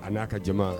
A n'a ka jama